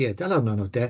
Ie dal arno nawr de.